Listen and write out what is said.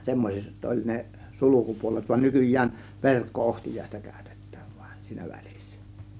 semmoiset oli ne sulkupuolet vaan nykyään verkko-ohtiaista käytetään vain siinä välissä